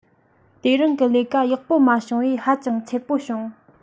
དེ རིང གི ལས ཀ ཡག པོ མ བྱུང བས ཧ ཅང མཚེར པོ བྱུང